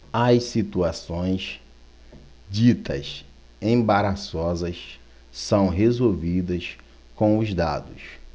as situações ditas embaraçosas são resolvidas com os dados